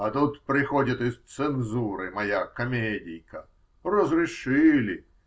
А тут приходит из цензуры моя комедийка: разрешили.